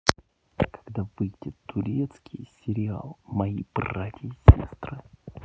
когда выйдет турецкий сериал мои братья и сестры